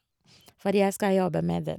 Fordi jeg skal jobbe med den.